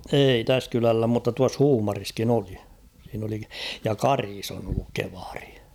ei tässä kylällä mutta tuossa Huumarissakin oli siinä oli ja Karissa on ollut kievari